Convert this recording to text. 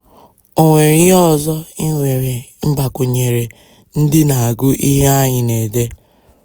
O nwere ihe ọzọ ị nwere ịgbakwunyere ndị na-agụ ihe anyị na-ede?